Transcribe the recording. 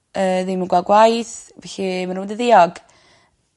yy ddim yn gwel gwaith felly ma' nw' mynd yn ddiog.